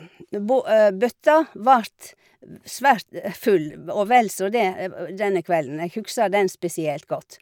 me bå Bøtta vart v svært full, v og vel så det, ev og denne kvelden, jeg husker den spesielt godt.